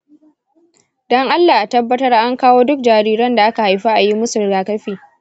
don allah a tabbatar an kawo duk jariran da aka haifa a yi mu su rigakafi.